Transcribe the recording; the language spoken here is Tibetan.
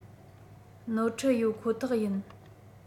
ནོར འཁྲུལ ཡོད ཁོ ཐག ཡིན